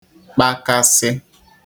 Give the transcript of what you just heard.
kpakasị